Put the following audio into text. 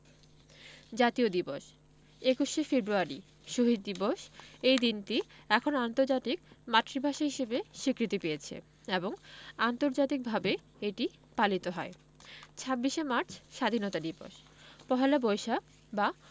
জাতীয় দিবসঃ ২১শে ফেবুয়ারি শহীদ দিবস এই দিনটি এখন আন্তর্জাতিক মাতৃভাষা হিসেবে স্বীকৃতি পেয়েছে এবং আন্তর্জাতিকভাবে এটি পালিত হয় ২৬শে মার্চ স্বাধীনতা দিবস পহেলা বৈশাখ বা